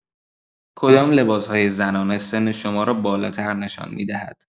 کدام لباس‌های زنانه سن شما را بالاتر نشان می‌دهد؟!